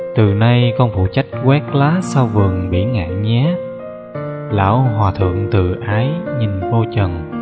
từ nay con phụ trách quét lá sau vườn bỉ ngạn nhé lão hòa thượng từ ái nhìn vô trần